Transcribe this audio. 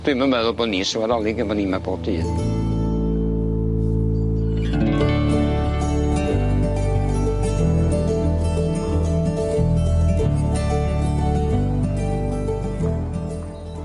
Dwi'm yn meddwl bo' ni'n sylweddoli gin bo' ni yma pob dydd.